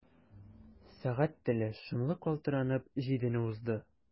Сәгать теле шомлы калтыранып җидене узды.